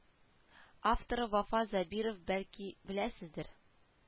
Авторы вафа зәбиров бәлки беләсездер